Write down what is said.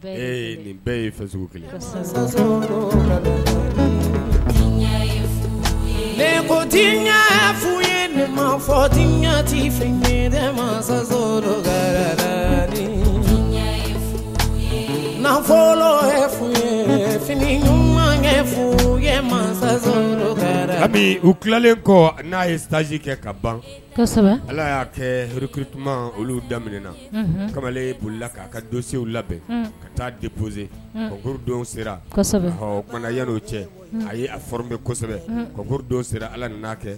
Nin bɛɛ ye fɛ sugu kelen f ye nin mafɔti f nafolo f ye fini ɲumankɛ f ye a u tilalen kɔ n'a yeji kɛ ka ban ala y'a kɛtuma olu daminɛɛna kamalen bolila k'a ka donsew labɛn ka taa depzseedon sera kana ya o cɛ a ye a fɔ bɛ kosɛbɛdon sera ala ni n'a kɛ